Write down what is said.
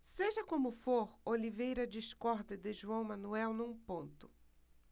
seja como for oliveira discorda de joão manuel num ponto